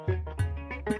San